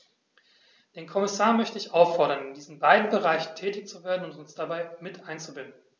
Den Kommissar möchte ich auffordern, in diesen beiden Bereichen tätig zu werden und uns dabei mit einzubinden.